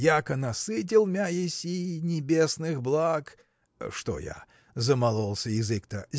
– яко насытил мя еси небесных благ. что я! замололся язык-то